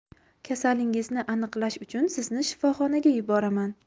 kasalingizni aniqlash uchun sizni shifoxonaga yuboraman